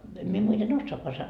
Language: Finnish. en minä muuten osaakaan -